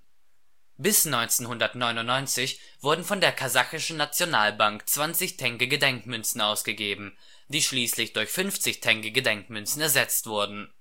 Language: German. Bis 1999 wurden von der Kasachischen Nationalbank 20-Tenge-Gedenkmünzen ausgegeben, die schließlich durch 50-Tenge-Gedenkmünzen ersetzt wurden